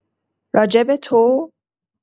راجع‌به تو؟